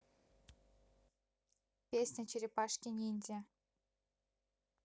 песня черепашки ниндзя